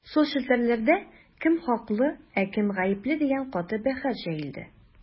Соцчелтәрләрдә кем хаклы, ә кем гапле дигән каты бәхәс җәелде.